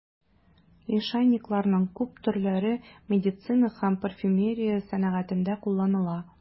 Лишайникларның күп төрләре медицинада һәм парфюмерия сәнәгатендә кулланыла.